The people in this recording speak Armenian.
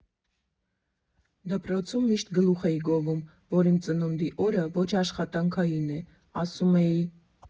Դպրոցում միշտ գլուխ էի գովում, որ իմ ծնունդի օրը ոչ աշխատանքային է, ասում էի.